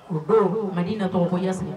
U ko ma di na tɔgɔ ko yasse